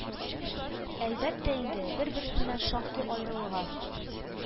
Әлбәттә инде, бер-берсеннән шактый аерылган.